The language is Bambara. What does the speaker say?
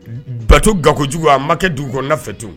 Bato gago kojugu a ma kɛ du kɔnɔfɛ tun